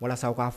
Walasa k'a